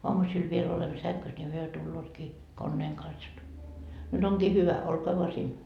aamusilla vielä olemme sängyssä niin he tulevatkin koneen kanssa jotta nyt onkin hyvä olkaa vain siinä